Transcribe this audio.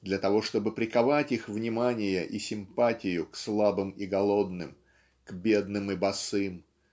для того чтобы приковать их внимание и симпатию к слабым и голодным к бедным и босым